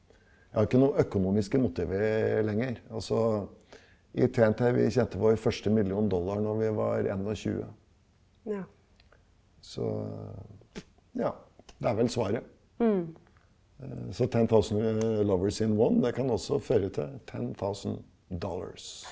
jeg har ikke noe økonomiske motiver lenger, altså i TNT vi tjente vår første million dollar når vi var 21 så ja det er vel svaret, så Ten Thousand Lovers in One, det kan også føre til dollars.